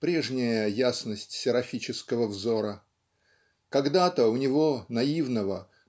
прежняя ясность серафического взора. Когда-то у него наивного